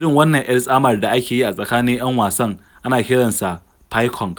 Irin wannan 'yar tsamar da ake yi a tsakanin 'yan wasan ana kiran sa "picong".